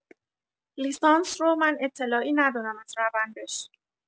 لیسانس رو من اطلاعی ندارم از روندش